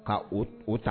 Ka o ta